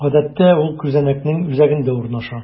Гадәттә, ул күзәнәкнең үзәгендә урнаша.